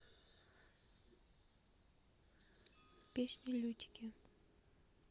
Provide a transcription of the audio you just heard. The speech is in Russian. песня лютики